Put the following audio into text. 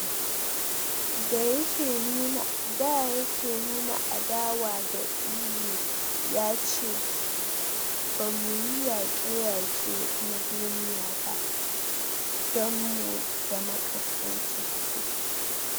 Da yake nuna adawa da EU, ya ce: 'Ba mu yi yaƙe-yaƙe na duniya ba don mu zama kaskantattu.